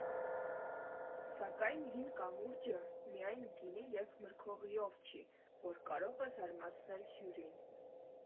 Սակայն «Հին կամուրջը» միայն գինի և մրգօղիով չի, որ կարող է զարմացնել հյուրին։